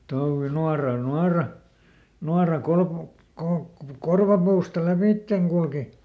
touvi nuoralla nuora nuora -- korvapuusta lävitse kulki